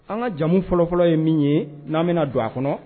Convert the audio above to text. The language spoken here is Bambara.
An ka jamu fɔlɔ fɔlɔ ye min ye n'an bɛna na don a kɔnɔ